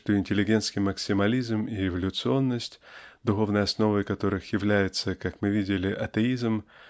что интеллигентский максимализм и революционность духовной основой которых является как мы видели атеизм